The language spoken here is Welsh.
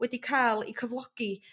wedi cael 'u cyflogi